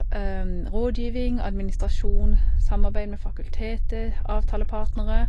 Rådgiving, administrasjon, samarbeid med fakultetet, avtalepartnere.